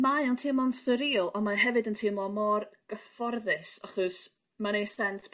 mae o'n tiemlon swreal ond mae o hefyd yn teimlo mor gyfforddus achos mae'n neu' sense